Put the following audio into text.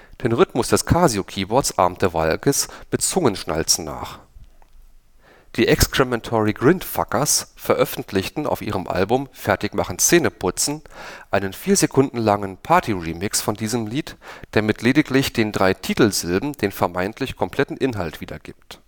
Den Rhythmus des Casio-Keyboards ahmte Waalkes mit Zungenschnalzen nach. Die Excrementory Grindfuckers veröffentlichten auf ihrem Album „ Fertigmachen, Szeneputzen “einen 4 Sekunden langen „ Party-Remix “von diesem Lied, der mit lediglich den drei Titelsilben den vermeintlich kompletten Inhalt wiedergibt